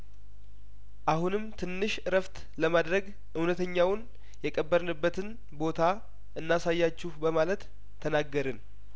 አሁንም ትንሽ እረፍት ለማድረግ እውነተኛውን የቀበርንበትን ቦታ እናሳያችሁ በማለት ተናገርን